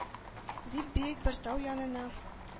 — дип, биек бер тау янына